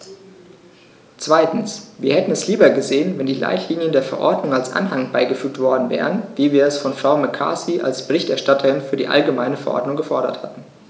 Zweitens: Wir hätten es lieber gesehen, wenn die Leitlinien der Verordnung als Anhang beigefügt worden wären, wie wir es von Frau McCarthy als Berichterstatterin für die allgemeine Verordnung gefordert hatten.